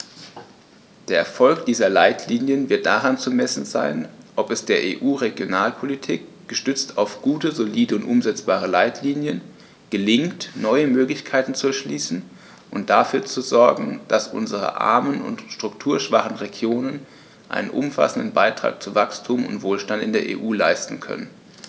Der Erfolg dieser Leitlinien wird daran zu messen sein, ob es der EU-Regionalpolitik, gestützt auf gute, solide und umsetzbare Leitlinien, gelingt, neue Möglichkeiten zu erschließen und dafür zu sogen, dass unsere armen und strukturschwachen Regionen einen umfassenden Beitrag zu Wachstum und Wohlstand in der EU leisten können.